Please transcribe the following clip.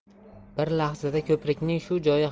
bir lahzada ko'prikning shu joyi